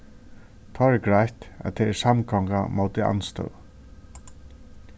tá er greitt at tað er samgonga móti andstøðu